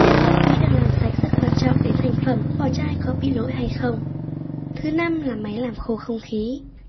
việc không khí được làm sạch rất quan trọng đến thành phẩm vỏ chai có bị lỗi hay không thứ là máy làm khô không khí